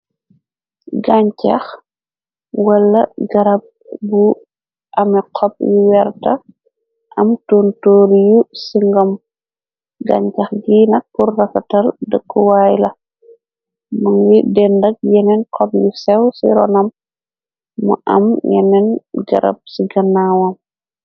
Gañcax, wala garab bu ame xob yu werta, am tuntuur yu ci ngom. Gancax bi nak pur rafatal dëkkuwaay la , mungi dendak yeneen xob yu sew ci ronam, mu am yeneen garab ci gannaawam.